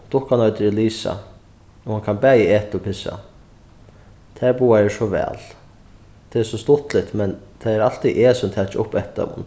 dukkan eitur elisa og hon kann bæði eta og pissa tær báðar eru so væl tað er so stuttligt men tað er altíð eg sum taki upp eftir teimum